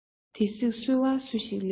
དེ བསྲེགས སོལ བ སུ ཞིག ལེན